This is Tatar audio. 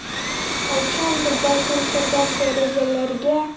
Кайчандыр балкып торган тәрәзәләргә...